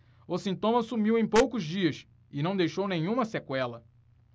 o sintoma sumiu em poucos dias e não deixou nenhuma sequela